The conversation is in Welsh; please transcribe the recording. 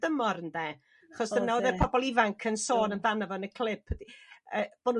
dymor ynde? Achos dyna o'dd y pobl ifanc yn sôn amdano fo yn y clip bo' n'w